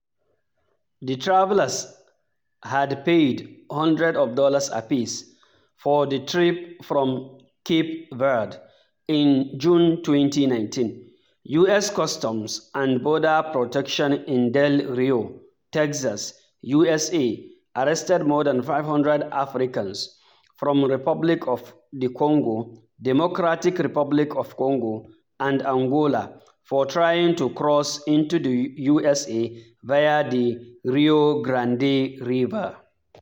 The travelers had paid “hundreds of dollars apiece” for the trip from Cape Verde. In June 2019, US Customs and Border Protection in Del Rio, Texas, USA, arrested more than 500 Africans from Republic of the Congo, Democratic Republic of Congo, and Angola, for trying to cross into the USA via the Rio Grande River.